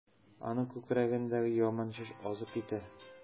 Аның күкрәгендәге яман шеш азып китә.